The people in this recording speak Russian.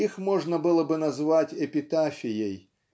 Их можно было бы назвать эпитафией